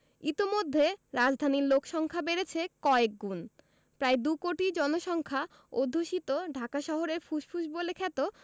ইতোমধ্যে রাজধানীর লোকসংখ্যা বেড়েছে কয়েকগুণ প্রায় দুকোটি জনসংখ্যা অধ্যুষিত ঢাকা শহরের ফুসফুস বলে খ্যাত